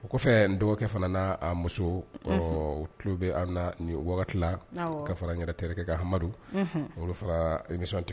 O kɔfɛ n dɔgɔkɛ fana na a muso ɔ tulolo bɛ na wagati ka fara yɛrɛ terikɛ kɛ ka ha amadu olu farami tigɛ